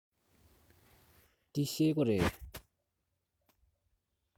འདི ཤེལ སྒོ རེད